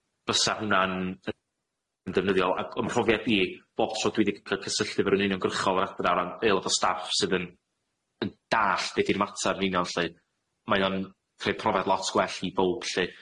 fysa hwn'na'n yy yn ddefnyddiol. Ag o'm mhrofiad i, bob tro dwi di g- ca'l cysylltu 'fo r'wun yn uniongyrchol o Adra, o ran aelod o staff sydd yn yn dalld be' 'di'r mater yn union lly, mae o'n creu profiad lot gwell i bowb lly.